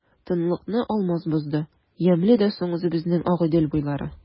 Тынлыкны Алмаз бозды:— Ямьле дә соң үзебезнең Агыйдел буйлары!